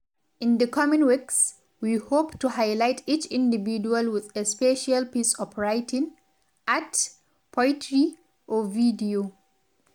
In the coming weeks, we hope to highlight each individual with a special piece of writing, art, poetry, or video.